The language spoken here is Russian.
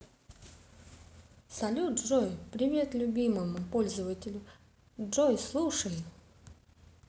салют джой привет любимому пользователю джой слушай